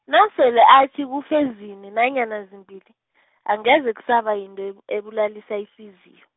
nasele athi kufe zine nanyana zimbili, angeze kusaba yinto ebu- ebulalisa ihliziyo.